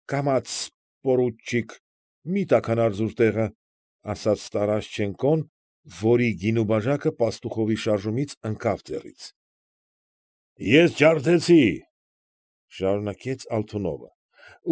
Կամաց, պորուչիկ, մի՛ տաքանար զուր տեղը,֊ ասաց Տարաշչենկոն, որի գինու բաժակը Պաստուխովի շարժումից ընկավ ձեռքից։ ֊ Եվ ջարդեցի,֊ շարունակեց Ալթունովը,֊